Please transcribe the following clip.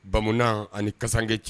Ba ani kasanke cɛ